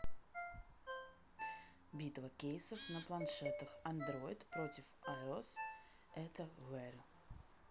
битва кейсов на планшетах android против ios это where